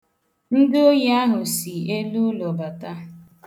Ndị ohi ahụ si eluụlọ bata.